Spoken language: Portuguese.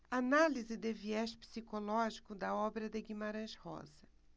análise de viés psicológico da obra de guimarães rosa